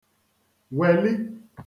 wèli